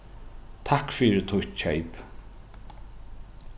takk fyri títt keyp